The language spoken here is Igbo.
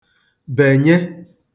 bènye